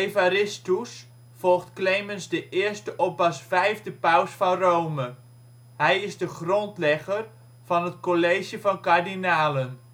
Evaristus (98 - 106 n. Chr.) volgt Clemens I op als vijfde Paus van Rome. Hij is de grondlegger van het College van kardinalen